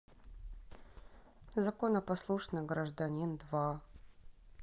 законопослушный гражданин два